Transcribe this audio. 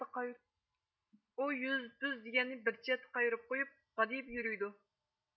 ئۇ يۈز پۈز دېگەننى بىر چەتتە قايرىپ قويۇپ غادىيىپ يۈرۈيدۇ